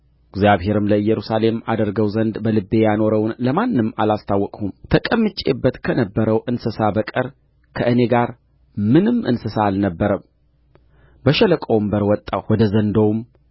እግዚአብሔርም ለኢየሩሳሌም አደርገው ዘንድ በልቤ ያኖረውን ለማንም አላስታወቅሁም ተቀምጬበት ከነበረው እንስሳ በቀር ከእኔ ጋር ምንም እንስሳ አልነበረም በሸለቆውም በር ወጣሁ ወደ ዘንዶውም